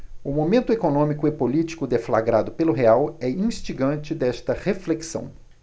o momento econômico e político deflagrado pelo real é instigante desta reflexão